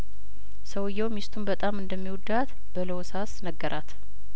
ሰውዬው ሚስቱን በጣም እንደሚወዳት በለሆሳስ ነገራት